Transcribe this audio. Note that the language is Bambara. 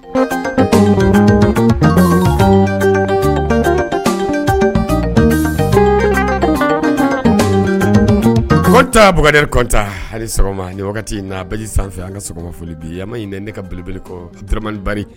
Ko ta bakarijankari kɔnta hali sɔgɔma ni wagati n basi sanfɛ an ka sɔgɔmaoli di ma ne kabele kɔuramani